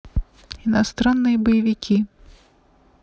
иностранные боевики